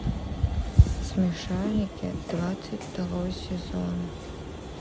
смешарики двадцать второй сезон